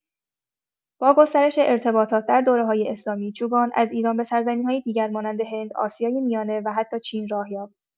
با گسترش ارتباطات در دوره‌های اسلامی، چوگان از ایران به سرزمین‌های دیگر مانند هند، آسیای میانه و حتی چین راه یافت.